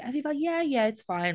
A oedd hi fel "Yeah, yeah it's fine."